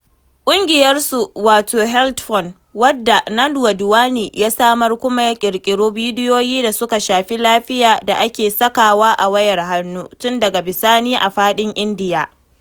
Ƙungiyarsu wato HealthPhone, wadda Nand Wadhwani ya samar kuma ya ƙirƙiri bidiyoyi da suka shafi lafiya da ake sakawa a wayar hannu tun daga bisani a faɗin India.